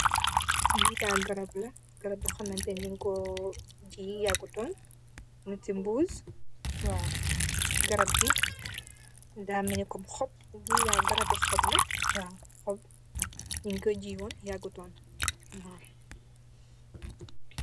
Lii daal garab la, garab boo xam ne dañg gii të yaagu lool. Muñg si mbuusi, waaw. Garab bi, daa melni kom xob. Lii daal garabi xob la, ñung ko jiiwoon, yaagutoon.l, waaw.